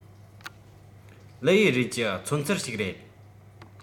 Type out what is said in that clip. ལིའུ ཡུས རུས ཀྱི མཚོན ཚུལ ཞིག རེད